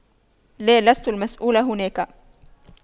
لا لست المسؤول هناك